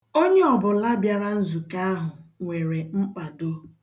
Onye ọbụla bịara nzukọ ahụ nwere mkpado.